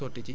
waaw